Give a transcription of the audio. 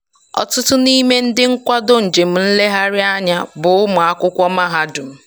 Ọtụtụ n'ime ndị nkwado njem nlegharị anya bụ ụmụ akwụkwọ mahadum.